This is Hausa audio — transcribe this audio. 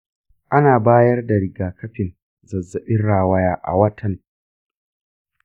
ana bayar da rigakafin zazzabin rawaya a watanni tara da haihuwa.